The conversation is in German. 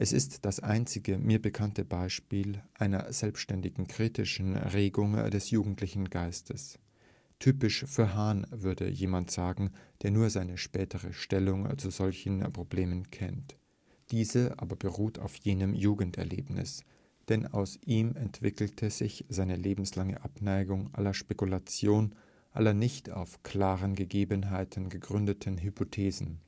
ist das einzige mir bekannte Beispiel einer selbstständigen kritischen Regung des jugendlichen Geistes. ' Typisch für Hahn ' würde jemand sagen, der nur seine spätere Stellung zu solchen Problemen kennt. Diese aber beruht auf jenem Jugenderlebnis. Denn aus ihm entwickelte sich seine lebenslange Ablehnung aller Spekulation, aller nicht auf klaren Gegebenheiten gegründeten Hypothesen